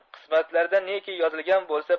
qismatlarida neki yozilgan bo'lsa